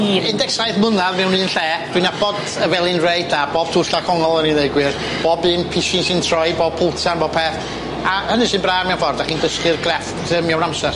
Wel, un deg saith mlynadd mewn un lle, dwi'n nabod y Felin reit dda, bob twll a chornol o'n i ddeu gwir, bob un pisin sy'n troi, bob boltan ar bo peth, a hynny sy'n braf mewn ffordd, dach chi'n dysgu'r grefft mewn amser.